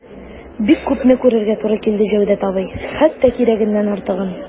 Бик күпне күрергә туры килде, Җәүдәт абый, хәтта кирәгеннән артыгын...